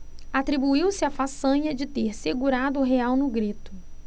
atribuiu-se a façanha de ter segurado o real no grito